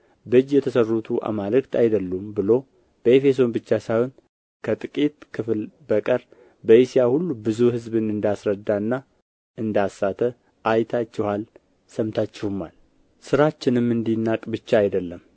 በእጅ የተሠሩቱ አማልክት አይደሉም ብሎ በኤፌሶን ብቻ ሳይሆን ከጥቂት ክፍል በቀር በእስያ ሁሉ ብዙ ሕዝብን እንደ አስረዳና እንደ አሳተ አይታችኋል ሰምታችሁማል ሥራችንም እንዲናቅ ብቻ አይደለም